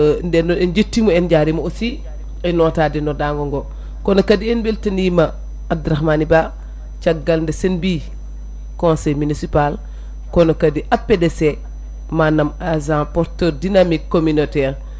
nden noon en jettimo en jaarimo aussi e notade noddago go kono kadi en beltanima Abdourahmani Ba caggal de sen mbi conseil municipal kono kadi APDC agent porteur dynamique communautaire